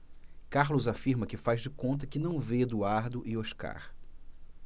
carlos afirma que faz de conta que não vê eduardo e oscar